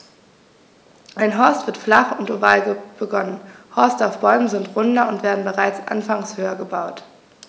Ein Horst wird flach und oval begonnen, Horste auf Bäumen sind runder und werden bereits anfangs höher gebaut.